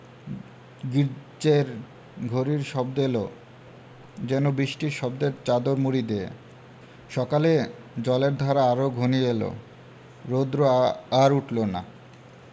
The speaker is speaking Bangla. গির্জ্জের ঘড়ির শব্দ এল যেন বৃষ্টির শব্দের চাদর মুড়ি দিয়ে সকালে জলের ধারা আরো ঘনিয়ে এল রোদ্র আর উঠল না